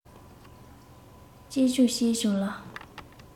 སྐྱིད བྱུང སྐྱིད བྱུང ལ